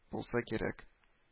Булса кирәк